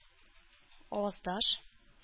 Аваздаш